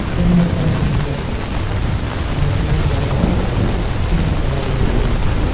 Бер нәрсәне исеңдә тот: тормышыңның бәхете синең карарыңа бәйле.